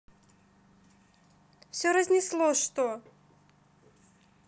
все разнесло что